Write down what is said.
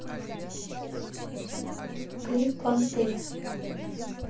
клип понты